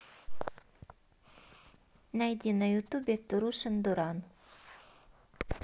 найди на ютубе турушин дуран